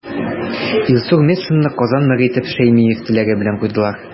Илсур Метшинны Казан мэры итеп Шәймиев теләге белән куйдылар.